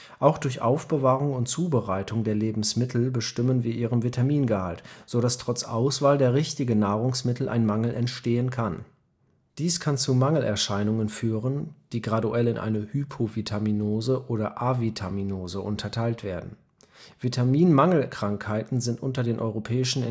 Auch durch Aufbewahrung und Zubereitung der Lebensmittel bestimmen wir ihren Vitamingehalt, so dass trotz Auswahl der richtigen Nahrungsmittel ein Mangel entstehen kann. Dies kann zu Mangelerscheinungen führen, die graduell in eine Hypovitaminose oder Avitaminose unterteilt werden. Vitaminmangelkrankheiten sind unter den europäischen